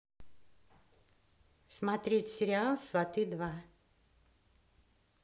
смотреть сериал сваты два